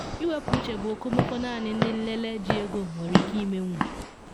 Iwepu uche bụ okomoko naanị ndị nlele ji ego nwere ike ịmenwu.